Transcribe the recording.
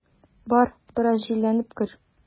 Бар, бераз җилләнеп кер.